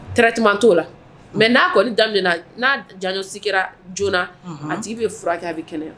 T caman too la mɛ n'a kɔni daminɛna n'a jan sigira joona a tigi bɛ furakɛ a bɛ kɛnɛ